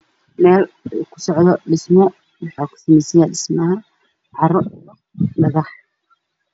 Meel oo ku socdo dhismo